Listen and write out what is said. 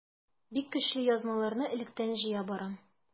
Бик көчле язмаларны электән җыя барам.